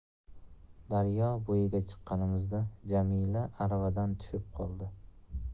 daryo bo'yiga chiqqanimizda jamila aravadan tushib qoldi